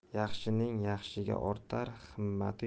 yaxshining yaxshiga ortar himmati